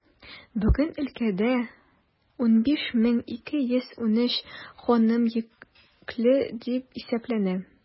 Бүген өлкәдә 15213 ханым йөкле дип исәпләнә.